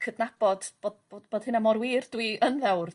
cydnabod bod bod bod hynna mor wir dw i yn ddewr.